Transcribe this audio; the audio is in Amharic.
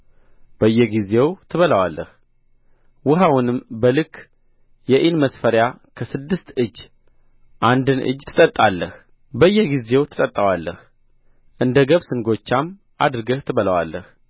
በየጊዜው ትበላዋለህ ውኃውንም በልክ የኢን መስፈሪያ ከስድስት እጅ አንድን እጅ ትጠጣለህ በየጊዜው ትጠጣዋለህ እንደ ገብስ እንጐቻም አድርገህ ትበላዋለህ